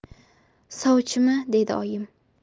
sovchimi dedi oyim